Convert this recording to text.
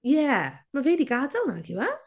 Ie mae fe 'di gadael nag yw e?